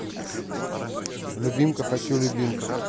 любимка хочу любимка